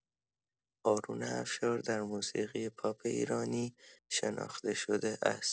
آرون افشار در موسیقی پاپ ایرانی شناخته شده است.